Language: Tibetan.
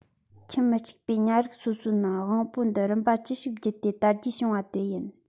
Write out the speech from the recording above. ཁྱུ མི གཅིག པའི ཉ རིགས སོ སོའི ནང དབང པོ འདི རིམ པ ཅི ཞིག བརྒྱུད དེ དར རྒྱས བྱུང བ དེ ཡིན